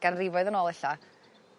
ganrifoedd yn ôl ella